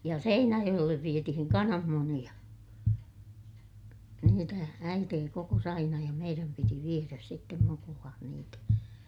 ja Seinäjoelle vietiin kananmunia niitä äiti kokosi aina ja meidän piti viedä sitten mukuloiden niitä